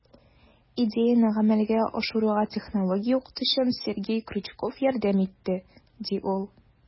Идеяне гамәлгә ашыруга технология укытучым Сергей Крючков ярдәм итте, - ди ул.